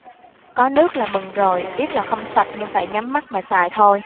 có nước là mừng rồi biết là không sạch nhưng phải nhắm mắt mà xài thôi